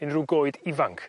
unryw goed ifanc